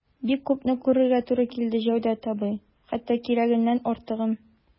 Бик күпне күрергә туры килде, Җәүдәт абый, хәтта кирәгеннән артыгын...